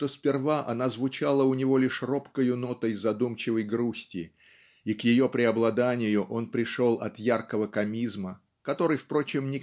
что сперва она звучала у него лишь робкою нотой задумчивой грусти и к ее преобладанию он пришел от яркого комизма который впрочем